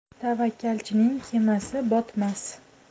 tavakkalchining kemasi botmas